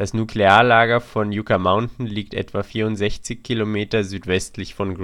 Nuklear-Lager von Yucca Mountain liegt etwa 64 km südwestlich von